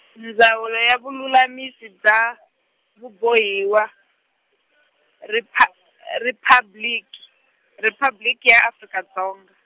Ndzawulo ya Vululamisi dza , Vabohiwa , Ripha- Riphablik-, Riphabliki ya Afrika Dzonga.